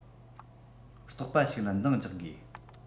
རྟོགས པ ཞིག ལ འདང རྒྱག དགོས